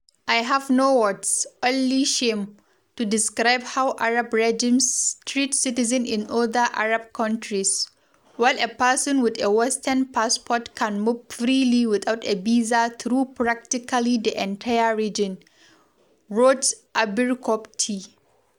“I have no words, only shame, to describe how Arab regimes treat citizens in other Arab countries, while a person with a Western passport can move freely without a visa through practically the entire region,” wrote Abir Kopty.